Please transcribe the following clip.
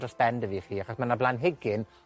dros ben 'da fi i chi, achos ma' 'na blanhigyn